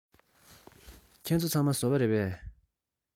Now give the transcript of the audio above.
ཁྱེད ཚོ ཚང མ བཟོ པ རེད པས